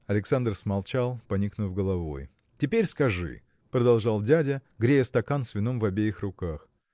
Александр смолчал, поникнув головой. – Теперь скажи – продолжал дядя грея стакан с вином в обеих руках